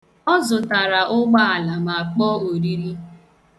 Ọ zụtara ụgbaala ma kpọọ oriri.